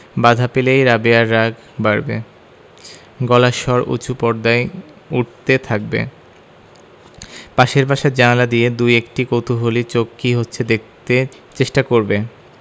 বাধা পেলেই রাবেয়ার রাগ বাড়বে গলার স্বর উচু পর্দায় উঠতে থাকবে পাশের বাসার জানালা দিয়ে দুএকটি কৌতুহলী চোখ কি হচ্ছে দেখতে চেষ্টা করবে